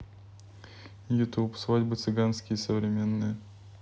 ютуб свадьбы цыганские современные